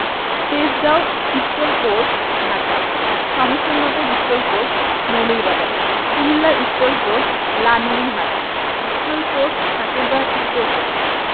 Tejgaon STOL port Dhaka Shamsernagar STOL port Moulvibazar Comilla STOL port Lalmonirhat STOL port Thakurgaon STOL port